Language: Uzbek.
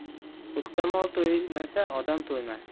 hutda mol to'ymasa odam to'ymas